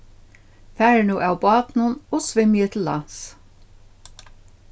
farið nú av bátinum og svimjið til lands